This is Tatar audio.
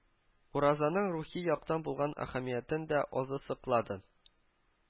Уразаның рухи яктан булган әһәмиятен дә азысыклады